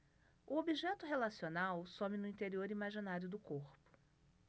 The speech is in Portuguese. o objeto relacional some no interior imaginário do corpo